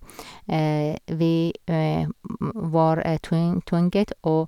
Vi var tvung tvunget å...